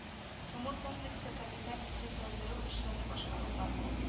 Сумлык комплекслы капиталь төзекләндерү эшләре башкарылган